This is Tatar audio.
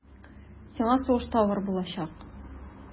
Сиңа сугышта авыр булачак.